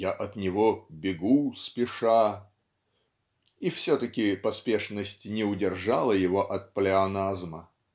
я от него бегу спеша" (и все-таки поспешность не удержала его от плеоназма. )